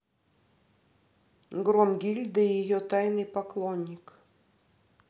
громгильда и ее тайный поклонник